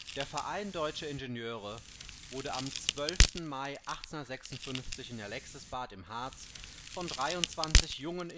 Der Verein Deutscher Ingenieure (VDI) wurde am 12. Mai 1856 in Alexisbad im Harz von 23 jungen